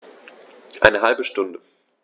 Eine halbe Stunde